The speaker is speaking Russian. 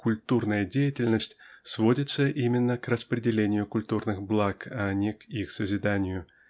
> "культурная деятельность" сводится именно к распределению культурных благ а не к их созиданию